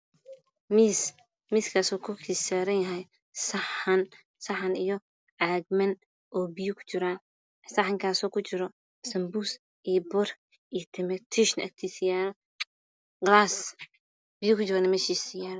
Miis korkiisa saaran yahay cagnan ku jiro snbuus galaas biyo mu jiraan meeaha yaalo